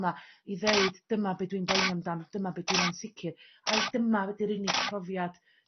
'na i ddeud dyma be dwi'n boeni amdan dyma be dwi'n ansicr a'i dyma ydy'r unig profiad